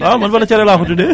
waaw man Bada cere laa ko tuddee